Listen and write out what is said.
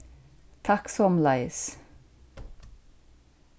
takk somuleiðis